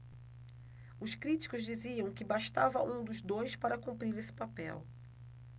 os críticos diziam que bastava um dos dois para cumprir esse papel